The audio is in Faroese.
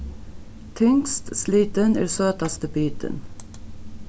tyngst slitin er søtasti bitin